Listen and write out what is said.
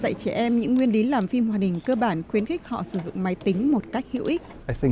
dạy trẻ em những nguyên lý làm phim hoạt hình cơ bản khuyến khích họ sử dụng máy tính một cách hữu ích